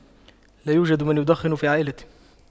لا يوجد من يدخن في عائلتي